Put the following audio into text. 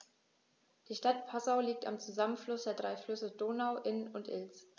Die Stadt Passau liegt am Zusammenfluss der drei Flüsse Donau, Inn und Ilz.